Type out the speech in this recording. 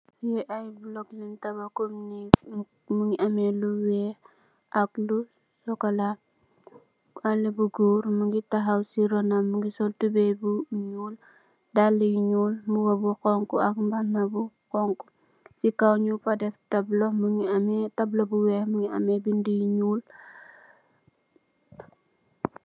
Fi ay block yun tabax com neeg mongi ame lu weex ak lu cxocola xale bu goor mongi taxaw si runam mongi sol tubai bu nuul daal yu nuul mbuba bu xonxu ak mbahana bu xonxu si kaw nyun fa deh tablu mongi ame tablo bu weex mongi ame binda yu nuul.